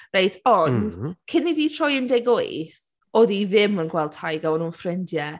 Reit, ond cyn iddi troi un deg wyth, oedd hi ddim yn gweld Tyga, oedd nhw’n ffrindiau.